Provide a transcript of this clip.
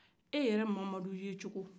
e yɛrɛ mahamadu ye cogo